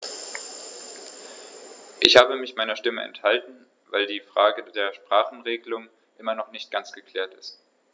Ich habe mich meiner Stimme enthalten, weil die Frage der Sprachenregelung immer noch nicht ganz geklärt ist.